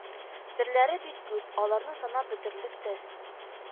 Төрләре бик күп, аларны санап бетерерлек тә